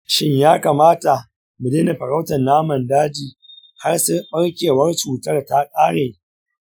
shin ya kamata mu daina farautar naman daji har sai ɓarkewar cutar ta ƙare?